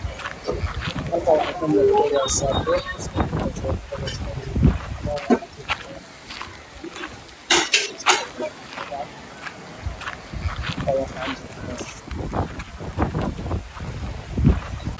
Halkaan waxa ka muuqdo saabuun